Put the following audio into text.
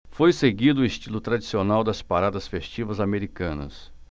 foi seguido o estilo tradicional das paradas festivas americanas